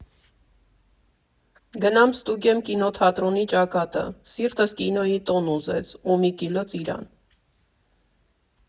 Գնամ ստուգեմ կինոթատրոնի ճակատը, սիրտս կինոյի տոն ուզեց (ու մի կիլո ծիրան)։